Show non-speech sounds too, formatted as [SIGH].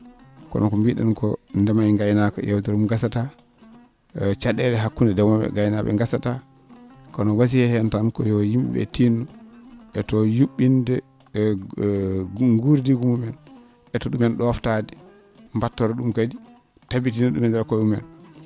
kono ko mbii?en ko ndema e ngaynaaka yeewtere mum gasata ca?eele hakkunde ndemoowo e gaynaa?e gasata kono wasiya heen tan ko yo yim?e?e tinno eto yu??inde [HESITATION] guurdigu mumen eto ?umen ?oftaade mbattora ?um kadi tabitina ?um e dner koye mumen